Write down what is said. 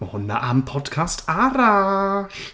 Ma' hwnna am podcast arall!